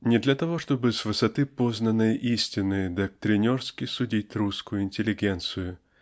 Не для того чтобы с высоты познанной истины доктринерски судить русскую интеллигенцию